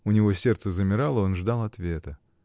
У него сердце замирало, он ждал ответа.